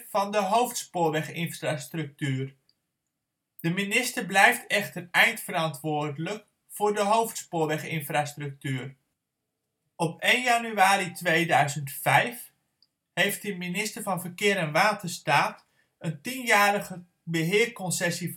van de hoofdspoorweginfrastructuur. De minister blijft echter eindverantwoordelijk voor de hoofdspoorweginfrastructuur. Op 1 januari 2005 heeft de minister van Verkeer en Waterstaat een 10-jarige beheerconcessie